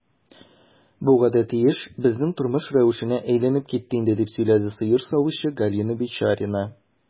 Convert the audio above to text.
Бу гадәти эш, безнең тормыш рәвешенә әйләнеп китте инде, - дип сөйләде сыер савучы Галина Бичарина.